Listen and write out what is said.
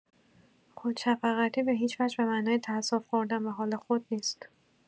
خودشفقتی به‌هیچ‌وجه به معنای تاسف‌خوردن به حال خود نیست.